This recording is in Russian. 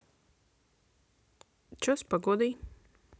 че с погодой